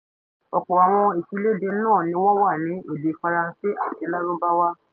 Ọ̀pọ̀ àwọn ìfiléde náà ni wọ́n wà ní èdè Faransé àti Lárúbáwá.